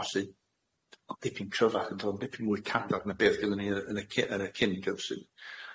ballu o dipyn cryfach on'd o'dd o'n dipyn mwy cadarn na beth gynnon ni yy yn y cy- yn y cyn gyfrif.